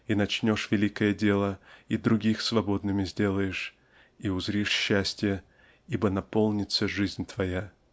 и начнешь великое дело и других свободными сделаешь и узришь счастье ибо наполнится жизнь твоя".